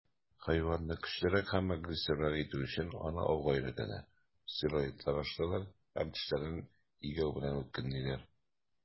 Хайванны көчлерәк һәм агрессиврак итү өчен, аны ауга өйрәтәләр, стероидлар ашаталар һәм тешләрен игәү белән үткенлиләр.